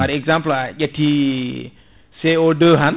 par exemple a ƴetti CO2 tan